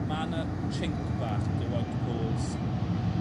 Ma' 'na chink bach 'da Wout Poels.